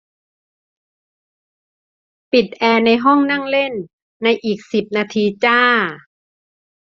ปิดแอร์ในห้องนั่งเล่นในอีกสิบนาทีจ้า